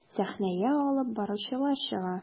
Сәхнәгә алып баручылар чыга.